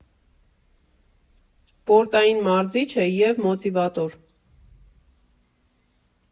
Պորտային մարզիչ է և մոտիվատոր։